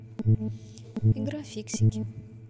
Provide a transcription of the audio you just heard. игра фиксики